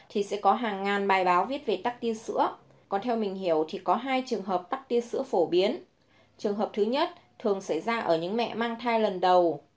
thì sẽ có hàng ngàn bài báo viết về tắc tia sữa còn theo mình hiểu thì có trường hợp tắc tia sữa phổ biến trường hợp thứ thường xảy ra ở những mẹ mang thai lần đầu